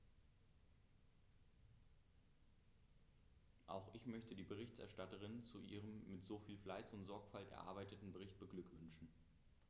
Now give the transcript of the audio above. Auch ich möchte die Berichterstatterin zu ihrem mit so viel Fleiß und Sorgfalt erarbeiteten Bericht beglückwünschen.